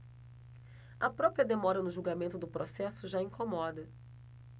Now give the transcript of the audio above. a própria demora no julgamento do processo já incomoda